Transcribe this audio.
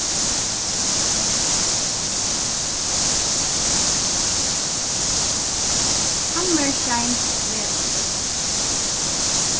hammershaimbsvegur